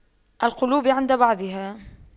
القلوب عند بعضها